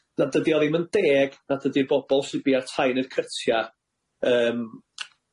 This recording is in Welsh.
na dydi o ddim yn deg nad ydi'r bobol sydd bia'r tai ne'r cytia' yym